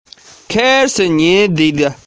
ཁོ བྱེད ཅིང བྱིའུ ཤ ཟ མཁན ང རང བྱེད པ ནི